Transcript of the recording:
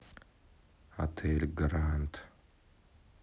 отель гранд